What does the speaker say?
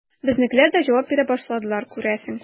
Безнекеләр дә җавап бирә башладылар, күрәсең.